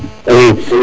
i